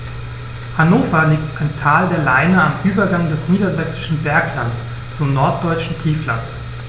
Hannover liegt im Tal der Leine am Übergang des Niedersächsischen Berglands zum Norddeutschen Tiefland.